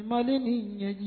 Paul ni